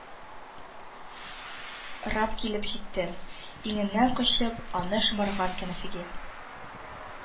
Рап килеп җитте, иңеннән кочып, аны шомарган кәнәфигә